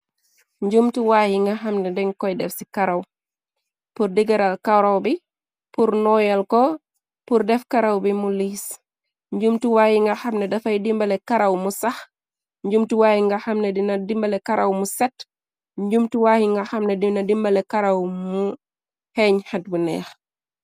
Njumtuwaay yi nga xamna den koy def ci karaw pur digëral karaw bi pur noyal ko pur def karaw bi mu liis njumtuwaayi nga xamne dafay dimbale karaw mu sax njumtuwaayi nga xamne dina dimbale karaw mu set njumtuwaayi nga xamne dina dimbale karaw mu xeeñ xet bu neex.